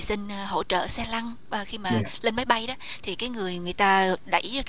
xin hỗ trợ xe lăn khi mà lên máy bay đó thì cái người người ta mà đại ý là